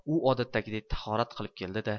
u odatdagidek tahorat qilib keldi da